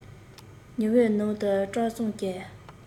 ཉི འོད ནང དུ བཀྲ བཟང གིས